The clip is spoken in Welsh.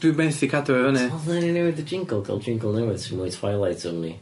dwi methu cadw o i fyny. Ti me'wl ddylen ni newid y jingle ga'l jingle newydd sy mwy Twilight Zoney?